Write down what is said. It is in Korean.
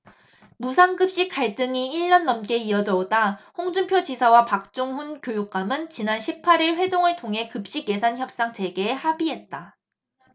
무상급식 갈등이 일 년 넘게 이어져 오다 홍준표 지사와 박종훈 교육감은 지난 십 팔 일 회동을 통해 급식예산 협상 재개에 합의했다